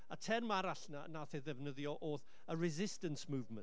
Y term arall na wnaeth ei ddefnyddio oedd y resistance movement.